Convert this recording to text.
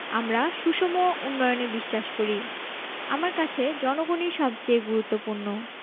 আমরা সুষম উন্নয়নে বিশ্বাস করি আমার কাছে জনগণই সবচেয়ে গুরুত্বপূর্ণ